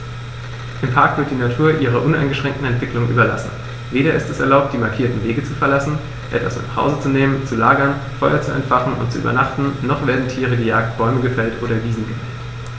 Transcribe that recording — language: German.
Im Park wird die Natur ihrer uneingeschränkten Entwicklung überlassen; weder ist es erlaubt, die markierten Wege zu verlassen, etwas mit nach Hause zu nehmen, zu lagern, Feuer zu entfachen und zu übernachten, noch werden Tiere gejagt, Bäume gefällt oder Wiesen gemäht.